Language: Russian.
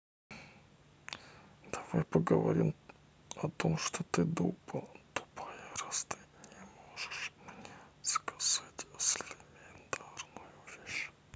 давай поговорим о том что ты тупая раз ты не можешь мне сказать элементарную вещь